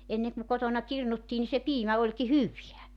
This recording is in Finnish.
ennen kun kotona kirnuttiin niin se piimä olikin hyvää